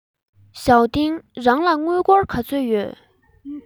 ཞའོ ཏིང རང ལ དངུལ སྒོར ག ཚོད ཡོད